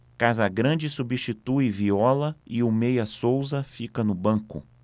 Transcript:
casagrande substitui viola e o meia souza fica no banco